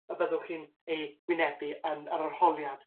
y byddwch chi'n ei wynebu yn yr arholiad.